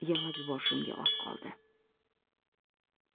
yig'lab yuborishimga oz qoldi